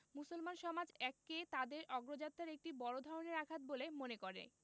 মুসলমান সমাজ একে তাদের অগ্রযাত্রায় একটি বড় ধরনের আঘাত বলে মনে করে